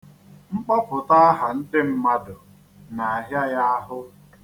Mkpọpụta aha ndị mmadụ na-ahịa ya ahụ.